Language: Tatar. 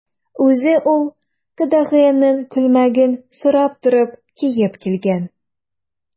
Үзе ул кодагыеның күлмәген сорап торып киеп килгән.